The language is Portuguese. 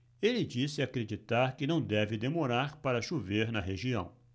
ele disse acreditar que não deve demorar para chover na região